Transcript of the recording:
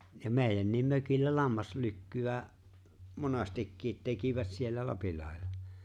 ja meidänkin mökillä lammaslykkyä monestikin tekivät siellä Lapinlahdella